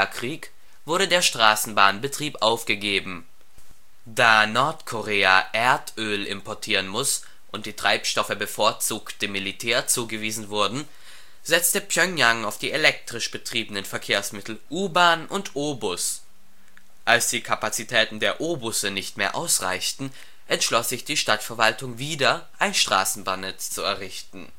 Korea-Krieg wurde der Straßenbahnbetrieb aufgegeben. Da Nordkorea Erdöl importieren muss und die Treibstoffe bevorzugt dem Militär zugewiesen wurden, setzte Pjöngjang auf die elektrisch betriebenen Verkehrsmittel U-Bahn und O-Bus. Als die Kapazitäten der O-Busse nicht mehr ausreichten, entschloss sich die Stadtverwaltung wieder ein Straßenbahnnetz zu errichten